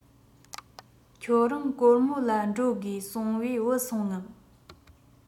ཁྱོད རང གོར མོ ལ འགྲོ དགོས གསུངས པས བུད སོང ངམ